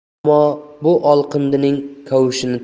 ammo bu olqindining kavushini